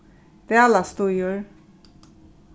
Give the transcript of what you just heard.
dalastígur